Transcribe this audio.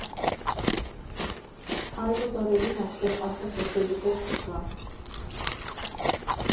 Արևոտ օրերին այստեղ ասեղ գցելու տեղ չկա.